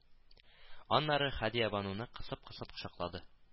Аннары Һәдиябануны кысып-кысып кочаклады